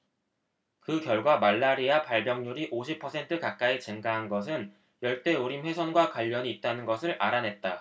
그 결과 말라리아 발병률이 오십 퍼센트 가까이 증가한 것은 열대 우림 훼손과 관련이 있다는 것을 알아냈다